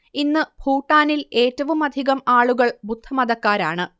ഇന്ന് ഭൂട്ടാനിൽ ഏറ്റവുമധികം ആളുകൾ ബുദ്ധമതക്കാരാണ്